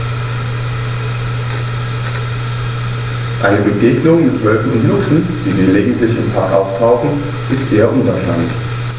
Eine Begegnung mit Wölfen oder Luchsen, die gelegentlich im Park auftauchen, ist eher unwahrscheinlich.